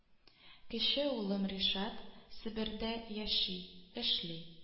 Кече улым Ришат Себердә яши, эшли